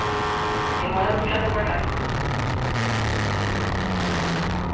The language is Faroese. eg má heldur sleppa mær heim